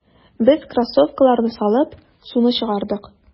Без кроссовкаларны салып, суны чыгардык.